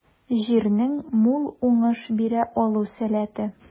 Җирнең мул уңыш бирә алу сәләте.